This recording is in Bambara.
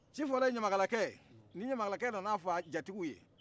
ci fɔle ɲamakalakɛ ye ni ɲamakalakɛ nana f' a jatigiw ye